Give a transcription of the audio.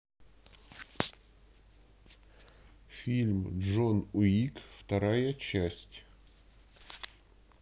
фильм джон уик вторая часть